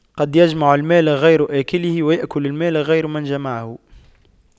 قد يجمع المال غير آكله ويأكل المال غير من جمعه